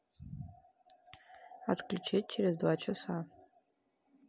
отключить через два часа